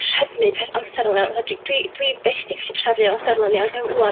trefnu peth amser fewn 'atha dwi, dwi byth 'di gallu trefnu amserlen yn iawn 'wan